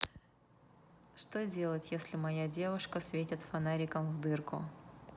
что делать если моя девушка светит фонариком в дырку